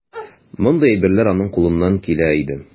Мондый әйберләр аның кулыннан килә иде.